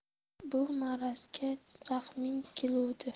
bu marazga rahming keluvdi